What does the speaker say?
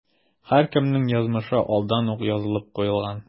Һәркемнең язмышы алдан ук язылып куелган.